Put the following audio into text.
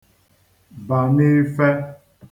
bà n'ife